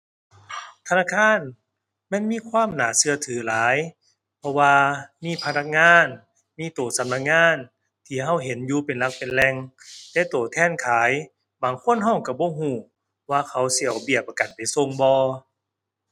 ธนาคารมันมีความน่าเชื่อถือหลาย เพราะว่ามีพนักงาน มีเชื่อสำนักงานที่เชื่อเห็นอยู่เป็นหลักเป็นแหล่ง แต่เชื่อแทนขายบางคนเชื่อเชื่อบ่เชื่อว่าเขาสิเอาเบี้ยประกันไปส่งบ่